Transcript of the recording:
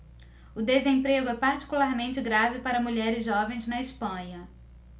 o desemprego é particularmente grave para mulheres jovens na espanha